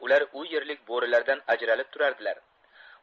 ular u yerlik bo'rilardan ajralib turardilar